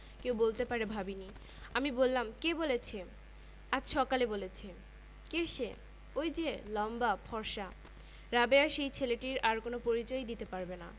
কাল রাতে তার জ্বর এসেছিল বেশ বাড়াবাড়ি রকমের জ্বর বাবা মাঝ রাত্তিরে আমার দরজায় ঘা দিয়েছিলেন আমার ঘুমের ঘোর না কাটতেই শুনলাম তোর কাছে এ্যাসপিরিন আছে খোকা